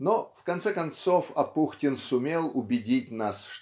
Но в конце концов Апухтин сумел убедить нас